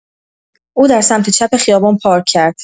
او در سمت چپ خیابان پارک کرد